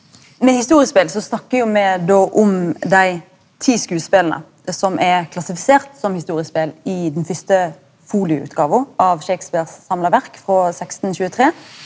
med historiespel så snakkar jo me då om dei ti skodespela som er klassifiserte som historiespel i den fyrste folioutgåva av Shakespeares samla verk frå sekstentjuetre.